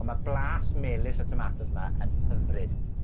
On' ma' blas melys y tomatos 'ma yn hyfryd.